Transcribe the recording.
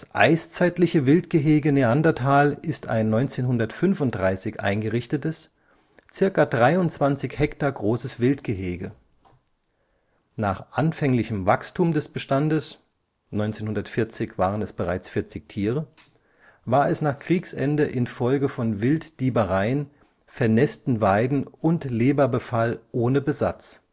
Eiszeitliche Wildgehege Neandertal ist ein 1935 eingerichtetes, circa 23 Hektar großes Wildgehege. Nach anfänglichem Wachstum des Bestands (1940 bereits 40 Tiere) war es nach Kriegsende infolge von Wilddiebereien, vernässten Weiden und Leberbefall ohne Besatz